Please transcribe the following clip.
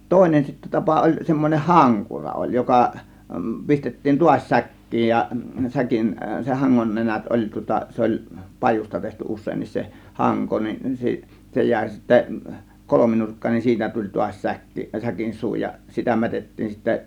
toinen sitten tapa oli semmoinen hankura oli joka pistettiin taas säkkiin ja säkin sen hangon nenät oli tuota se oli pajusta tehty useinkin se hanko niin - se jäi sitten kolminurkkainen niin siitä tuli taas säkki säkin suu ja sitä mätettiin sitten